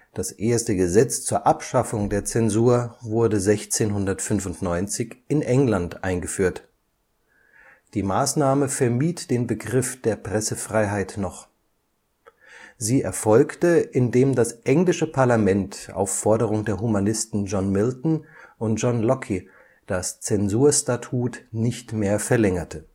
Das erste Gesetz zur Abschaffung der Zensur wurde 1695 in England eingeführt. Die Maßnahme vermied den Begriff der Pressefreiheit noch. Sie erfolgte, indem das englische Parlament auf Forderung der Humanisten John Milton und John Locke das Zensurstatut nicht mehr verlängerte